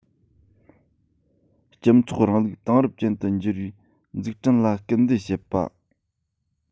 སྤྱི ཚོགས རིང ལུགས དེང རབས ཅན དུ འགྱུར བའི འཛུགས སྐྲུན ལ སྐུལ འདེད བྱེད པ